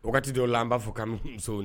O wagati dɔw la an b'a fɔ kanu so